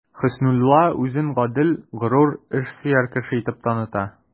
Хөснулла үзен гадел, горур, эшсөяр кеше итеп таныта.